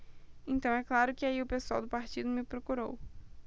então é claro que aí o pessoal do partido me procurou